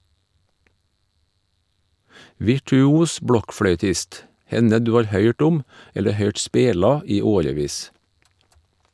Virtuos blokkfløytist, henne du har høyrt om, eller høyrt spela, i årevis.